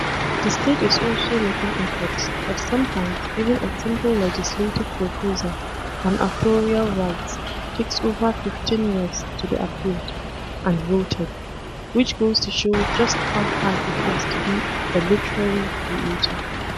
The state is also making efforts but sometimes even a simple legislative proposal on authorial rights takes over 15 years to be approved and voted, which goes to show just how hard it is to be a literary creator.